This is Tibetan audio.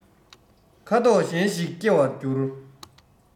ཁ དོག གཞན ཞིག སྐྱེ བར འགྱུར